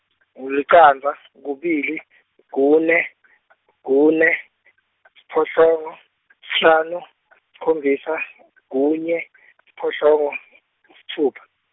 u- licandza, kubili, kune, kune, siphohlongo, sihlanu, sikhombisa, kunye, siphohlongo, sitfupha.